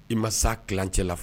I ma kalanlancɛ la